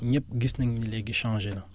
ñëpp gis nañ ni léegi changé na